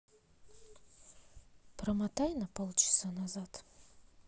промотай на полчаса назад